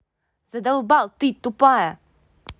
задолбал ты тупая